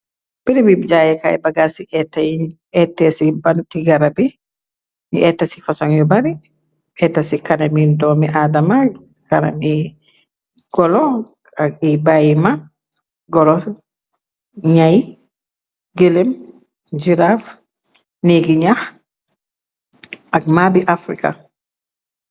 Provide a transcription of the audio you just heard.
Perewib jayye kaay bagaas ci éte ci bati garabi ñi eta ci foson yu bare eta ci karami doomi aadama karami golo bayyima golos ñay géleem girav néegi ñax ak ma bi africa.